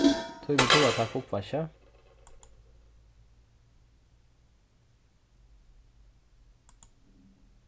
tímir tú at taka uppvaskið